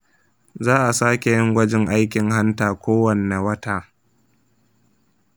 za a sake yin gwajin aikin hanta kowanne wata.